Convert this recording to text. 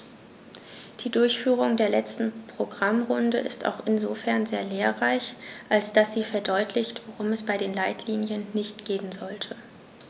Die Durchführung der letzten Programmrunde ist auch insofern sehr lehrreich, als dass sie verdeutlicht, worum es bei den Leitlinien nicht gehen sollte.